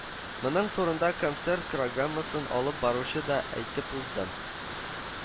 Моның турында концерт программасын алып баручы да әйтеп узды